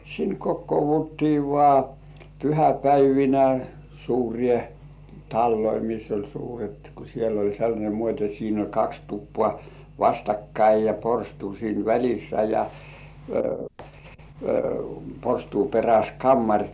sinne kokoonnuttiin vain pyhäpäivinä suuriin taloihin missä oli suuret kun siellä oli sellainen muoti että siinä oli kaksi tupaa vastakkain ja porstua siinä välissä ja porstuan perässä kamari